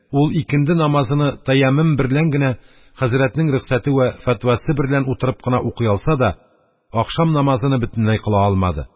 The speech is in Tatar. Ул икенде намазыны тәяммем берлән генә, хәзрәтнең рөхсәте вә фәтвасы берлән утырып кына укый алса да, ахшам намазыны бөтенләй кыла алмады.